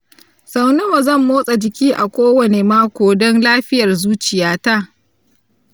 sau nawa zan motsa jiki a kowane mako don lafiyar zuciyata?